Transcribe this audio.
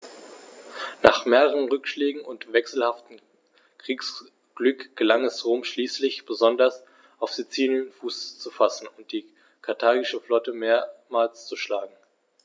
Nach mehreren Rückschlägen und wechselhaftem Kriegsglück gelang es Rom schließlich, besonders auf Sizilien Fuß zu fassen und die karthagische Flotte mehrmals zu schlagen.